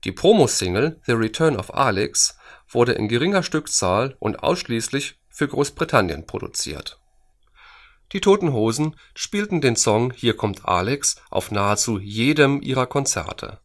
Promosingle The Return of Alex wurde in geringer Stückzahl und ausschließlich für Großbritannien produziert. Die Toten Hosen spielen den Song Hier kommt Alex auf nahezu jedem ihrer Konzerte